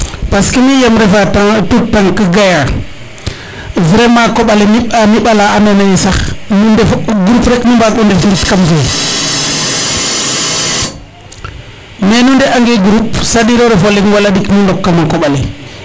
parce que mi yeem refa tutank gaya vraiment o koɓale niɓ a niɓala ando naye sax nu ndef groupe rek nu mbaag u ndef ndef kam fe mais nu nde a nge groupe c' est a dire o refo leŋ wala ɗik nu ndok kama koɓale